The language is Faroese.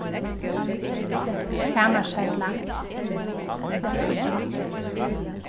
kamarshella